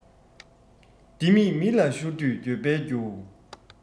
ལྡེ མིག མི ལ ཤོར དུས འགྱོད པའི རྒྱུ